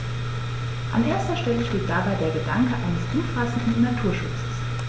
An erster Stelle steht dabei der Gedanke eines umfassenden Naturschutzes.